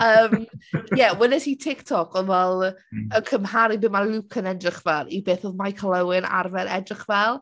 Yym ie welais i Tiktok oedd fel... mm ...yn cymharu be mae Luca'n edrych fel i beth oedd Michael Owen arfer edrych fel.